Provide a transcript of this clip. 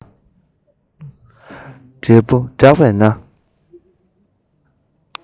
འབྲས བུ བསྒྲགས པས ན མཱེ མཱེ ཞེས ཨ མ དགོད